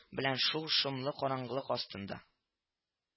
Белән шул шомлы караңгылык астында